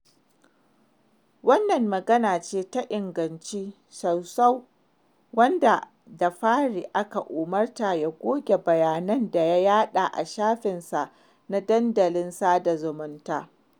Wannan magana ce ta Ingance Sossou, wanda da fari aka umarta ya goge bayanan da ya yaɗa a shafinsa na dandalin sada zamunta.